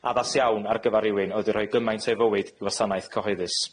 Addas iawn ar gyfar rywun oedd 'di rhoi gymaint o'i fywyd i wasanaeth cyhoeddus.